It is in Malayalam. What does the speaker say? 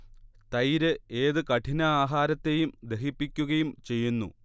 തൈര് ഏത് കഠിന ആഹാരത്തെയും ദഹിപ്പിക്കുകയും ചെയ്യുന്നു